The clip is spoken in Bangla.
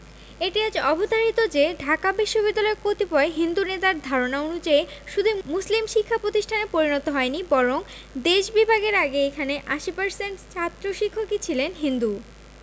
এটিআজ অবধারিত যে ঢাকা বিশ্ববিদ্যালয় কতিপয় হিন্দু নেতার ধারণা অনুযায়ী শুধুই মুসলিম শিক্ষা প্রতিষ্ঠানে পরিণত হয় নি বরং দেশ বিভাগের আগে এখানে ৮০% ছাত্র শিক্ষকই ছিলেন হিন্দু